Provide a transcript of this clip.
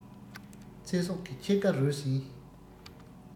ཚེ སྲོག གི ཕྱེད ཀ རོལ ཟིན